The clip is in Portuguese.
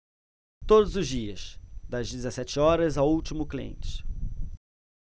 todos os dias das dezessete horas ao último cliente